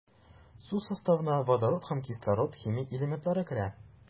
Су составына водород һәм кислород химик элементлары керә.